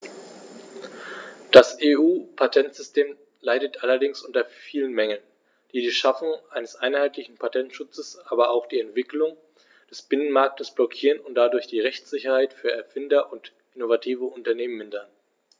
Das EU-Patentsystem leidet allerdings unter vielen Mängeln, die die Schaffung eines einheitlichen Patentschutzes, aber auch die Entwicklung des Binnenmarktes blockieren und dadurch die Rechtssicherheit für Erfinder und innovative Unternehmen mindern.